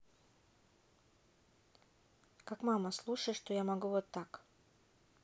как мама слушай что я могу вот так